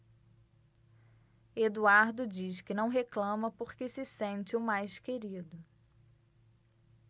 eduardo diz que não reclama porque se sente o mais querido